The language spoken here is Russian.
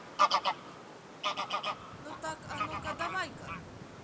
ну так а ну ка давай ка